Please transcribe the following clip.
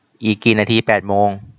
อีกกี่นาทีแปดโมง